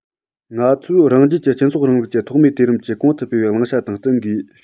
ང ཚོས རང རྒྱལ གྱི སྤྱི ཚོགས རིང ལུགས ཀྱི ཐོག མའི དུས རིམ གྱི གོང དུ སྤེལ བའི བླང བྱ དང བསྟུན དགོས